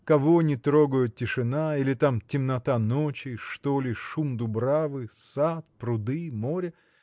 – кого не трогают тишина или там темнота ночи что ли шум дубравы сад пруды море?